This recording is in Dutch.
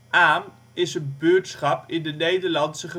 Aam is een buurtschap in de Nederlandse